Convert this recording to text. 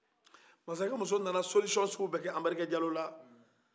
masakɛmuso nana soliziyɔn sugu bɛɛ kɛ anbarike jalo la